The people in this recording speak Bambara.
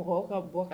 Mɔgɔw ka bɔ